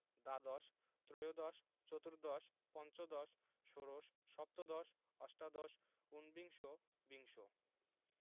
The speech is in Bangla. দ্বাদশ ত্ৰয়োদশ চতুর্দশ পঞ্চদশ ষোড়শ সপ্তদশ অষ্টাদশ উনবিংশ বিংশ